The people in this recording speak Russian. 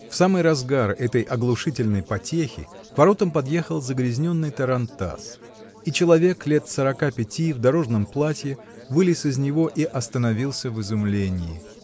В самый разгар этой оглушительной потехи к воротам подъехал загрязненный тарантас, и человек лет сорока пяти, в дорожном платье, вылез из него и остановился в изумленье.